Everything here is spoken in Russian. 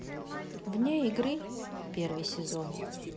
вне игры первый сезон